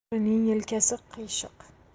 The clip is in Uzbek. o'g'rining yelkasi qiyshiq